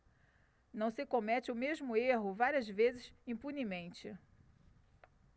não se comete o mesmo erro várias vezes impunemente